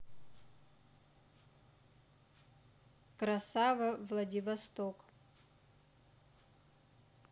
красава владивосток